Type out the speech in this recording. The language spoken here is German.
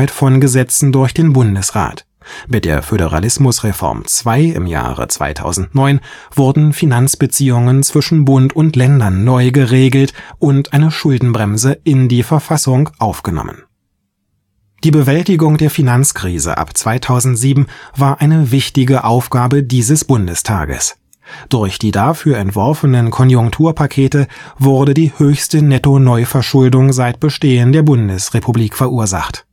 von Gesetzen durch den Bundesrat; mit der Föderalismusreform II (2009) wurden Finanzbeziehungen zwischen Bund und Ländern neu geregelt und eine Schuldenbremse in die Verfassung (Grundgesetz) aufgenommen. Die Bewältigung der Finanzkrise ab 2007 war eine wichtige Aufgaben dieses Bundestages. Durch die dafür entworfenen Konjunkturpakete wurde die höchste Nettoneuverschuldung seit Bestehen der Bundesrepublik verursacht